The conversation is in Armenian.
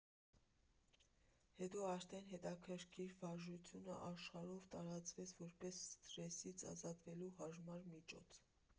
Հետո արդեն այդ հետաքրքիր վարժությունը աշխարհով տարածվեց որպես սթրեսից ազատվելու հարմար միջոց։